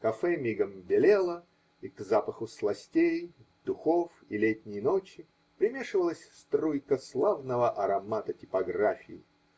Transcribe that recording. Кафе мигом белело, и к запаху сластей, духов и летней ночи примешивалась струйка славного аромата типографии.